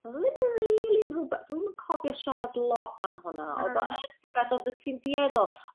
O'dd o ddim rili'n rwbeth dw ddim yn cofio siarad lot am honna o'dd o yn rwbeth oddet ti'n dueddol